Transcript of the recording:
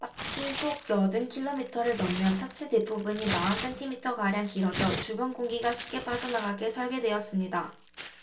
시속 여든 킬로미터를 넘으면 차체 뒷부분이 마흔 센티미터가량 길어져 주변 공기가 쉽게 빠져나가게 설계됐습니다